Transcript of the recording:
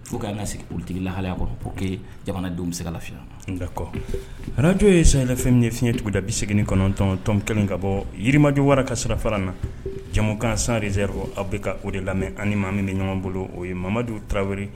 Fo ka sigi olutigilahaya kɔrɔ k'o que jamanadenw bɛ se ka lafiya nka nka kɔ ararakajo ye sayaylafɛn ni fiɲɛɲɛ tuguda bi segin kɔnɔntɔntɔnm kelen ka bɔ yirimajɔ wara ka sirafara na jamukan sane yɔrɔ aw bɛ ka o de lamɛn ani maa min ni ɲɔgɔn bolo o ye mamadu tarawele